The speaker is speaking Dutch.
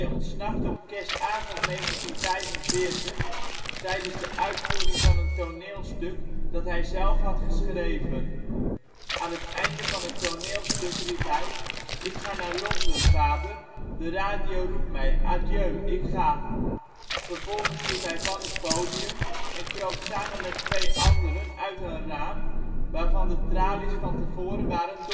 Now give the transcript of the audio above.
ontsnapte op kerstavond 1945 (?) tijdens de uitvoering van een toneelstuk dat hij zelf had geschreven. Aan het eind van het toneelstuk riep hij " Ik ga naar Londen, vader, de radio roept mij, adieu, ik ga. " Vervolgens liep hij van het podium en kroop samen met twee anderen uit een raam waarvan de tralies van tevoren waren